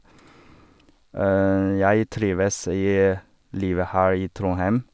Jeg trives i livet her i Trondheim.